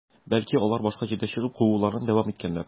Бәлки, алар башка җирдә чыгып, кууларын дәвам иткәннәрдер?